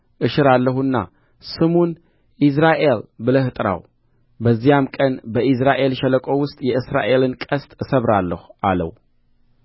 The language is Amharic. እሽራለሁና ስሙን ኢይዝራኤል ብለህ ጥራው በዚያም ቀን በኢይዝራኤል ሸለቆ ውስጥ የእስራኤልን ቀስት እሰብራለሁ አለው